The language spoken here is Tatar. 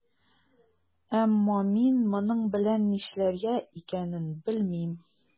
Әмма мин моның белән нишләргә икәнен белмим.